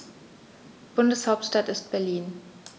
Bundeshauptstadt ist Berlin.